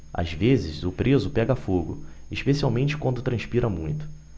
às vezes o preso pega fogo especialmente quando transpira muito